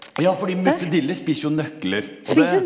ja fordi Moffedille spiser jo nøkler og det.